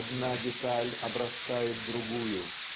одна деталь обрастает другую